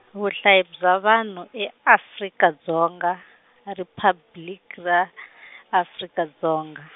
Vuhlayi bya Vanhu e Afrika Dzonga, Riphabliki ra , Afrika Dzonga.